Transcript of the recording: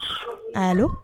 Alo!